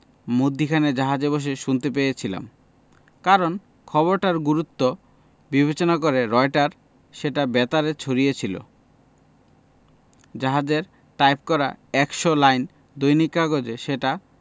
মধ্যিখানে জাহাজে বসে শুনতে পেয়েছিলাম কারণ খবরটার গুরুত্ব বিবেচনা করে রয়টার সেটা বেতারে ছড়িয়েছিল জাহাজের টাইপ করা এক শ লাইন দৈনিক কাগজে সেটা